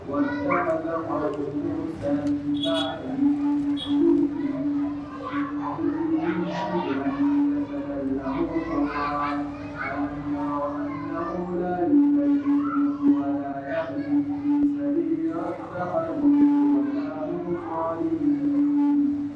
Wa maa